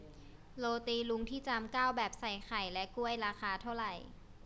โรตีลุงที่จามเก้าแบบใส่ไข่และกล้วยราคาเท่าไหร่